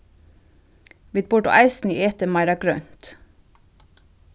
vit burdu eisini etið meira grønt